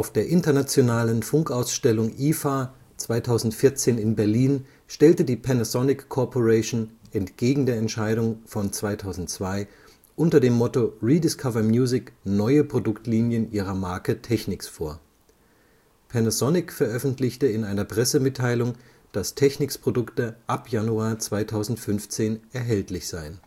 der Internationale Funkausstellung (IFA) 2014 in Berlin stellte die Panasonic Corporation (entgegen der Entscheidung von 2002) unter dem Motto „ Rediscover Music “neue Produktlinien ihrer Marke Technics vor. Panasonic veröffentlichte in einer Pressemitteilung, dass Technics-Produkte ab Januar 2015 erhältlich seien